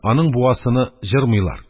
Аның буасыны җырмыйлар.